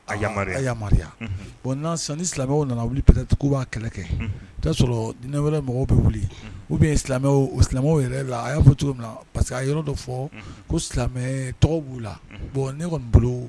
A yamaruya yama bon nan ni silamɛw nana wili ptigiw b'a kɛlɛ kɛ o'a sɔrɔ diinɛ wɛrɛ mɔgɔw bɛ wuli u bɛ silamɛ silamɛw yɛrɛ la a y'a fɔ cogo min na parce que yɔrɔ dɔ fɔ ko silamɛ tɔgɔ b'u la bɔn ne kɔni bolo